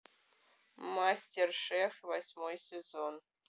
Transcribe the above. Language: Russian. мастер шеф восьмой сезон